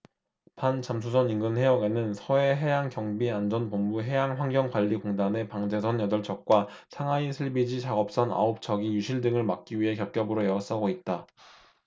반잠수선 인근해역에는 서해해양경비안전본부 해양환경관리공단의 방제선 여덟 척과 상하이 샐비지 작업선 아홉 척이 유실 등을 막기 위해 겹겹으로 에워싸고 있다